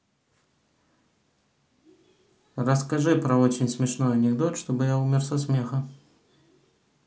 расскажи про очень смешной анекдот чтобы я умер со смеха